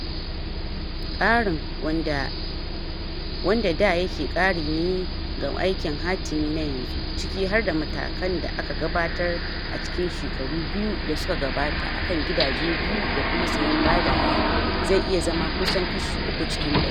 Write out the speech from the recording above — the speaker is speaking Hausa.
Ƙarin - wanda da yake kari ne ga aikin hatimi na yanzu, ciki har da matakan da aka gabatar a cikin shekaru biyu da suka gabata a kan gidaje biyu da kuma sayen bada haya - zai iya zama kusan kashi uku cikin dari.